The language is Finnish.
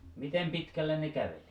miten pitkälle ne käveli